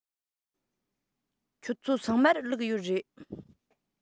ཁྱོད ཚོ ཚང མར ལུག ཡོད རེད